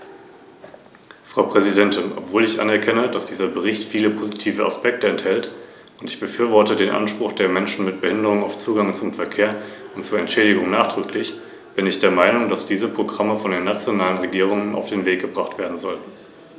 Und wie Herr Simpson sehr richtig sagte, darf der Prozess niemals als abgeschlossen, als gewonnen oder als vollendet betrachtet werden.